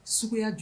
Suguya jɔ?